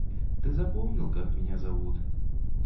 ты запомнил как меня зовут